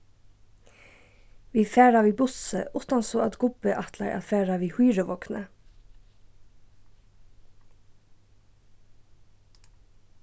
vit fara við bussi uttan so at gubbi ætlar at fara við hýruvogni